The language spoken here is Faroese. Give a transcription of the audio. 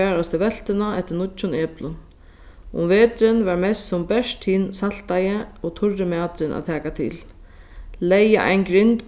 farast í veltuna eftir nýggjum eplum um veturin var mest sum bert hin saltaði og turri maturin at taka til legði ein grind